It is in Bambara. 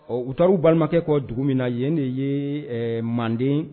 Ɔ u taara u balimakɛ kɔ dugu min na yen de ye manden